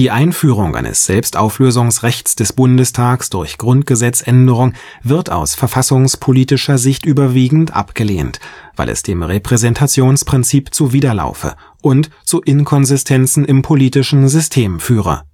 Einführung eines Selbstauflösungsrechts des Bundestags durch Grundgesetzänderung wird aus verfassungspolitischer Sicht überwiegend abgelehnt, weil es dem Repräsentationsprinzip zuwiderlaufe und zu Inkonsistenzen im politischen System führe